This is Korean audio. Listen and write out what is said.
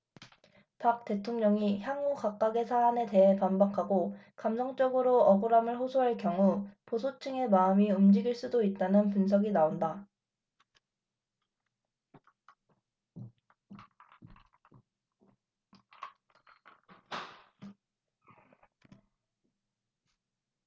박 대통령이 향후 각각의 사안에 대해 반박하고 감성적으로 억울함을 호소할 경우 보수층의 마음이 움직일 수도 있다는 분석이 나온다